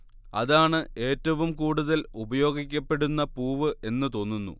അതാണ് ഏറ്റവും കൂടുതൽ ഉപയോഗിക്കപ്പെടുന്ന പൂവ് എന്നു തോന്നുന്നു